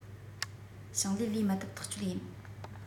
ཞིང ལས ལས མི ཐུབ ཐག ཆོད ཡིན